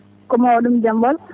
ko maw?um jaam ?olo